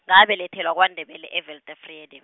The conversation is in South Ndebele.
ngabelethelwa kwaNdebele e- Weltevrede.